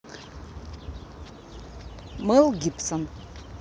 мэл гибсон